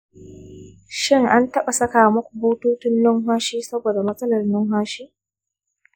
shin an taɓa saka muku bututun numfashi saboda matsalar numfashi?